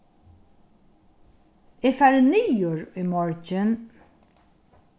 eg fari niður í morgin